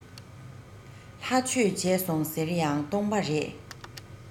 ལྷ ཆོས བྱས སོང ཟེར ཡང སྟོང པ རེད